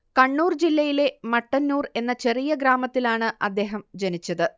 കണ്ണൂർ ജില്ലയിലെ മട്ടന്നൂർ എന്ന ചെറിയ ഗ്രാമത്തിലാണ് അദ്ദേഹം ജനിച്ചത്